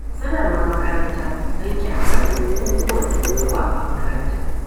Sanarwar makaranta don ƙyamar bukukuwan Turawa a makaranta.